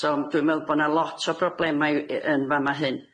So dwi'n me'wl bo' 'na lot o broblemau i y- yn fan'ma hyn.